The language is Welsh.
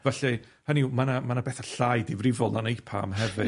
Felly, hynny yw, ma' 'na ma' 'na betha llai ddifrifol na napalm hefyd.